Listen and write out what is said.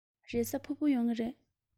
རེས གཟའ ཕུར བུ ལ ཡོང གི རེད